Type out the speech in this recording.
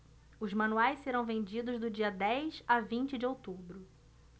os manuais serão vendidos do dia dez a vinte de outubro